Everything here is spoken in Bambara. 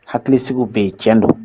Hakili sigiw be ye tiɲɛ don